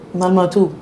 Nan nɔtu